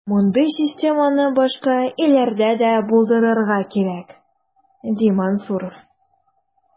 Мондый системаны башка илләрдә дә булдырырга кирәк, ди Мансуров.